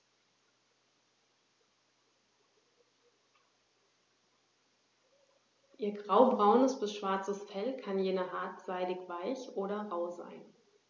Ihr graubraunes bis schwarzes Fell kann je nach Art seidig-weich oder rau sein.